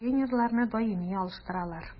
Тренерларны даими алыштыралар.